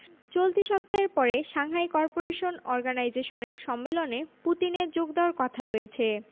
চলতি সপ্তাহের পরে সাংহাই করপোরেশন অর্গানাইজেশনের সম্মেলনে পুতিনের যোগ দেওয়ার কথা রয়েছে